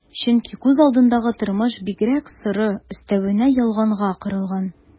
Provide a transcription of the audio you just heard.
Чөнки күз алдындагы тормыш бигрәк соры, өстәвенә ялганга корылган...